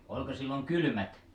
oliko silloin kylmät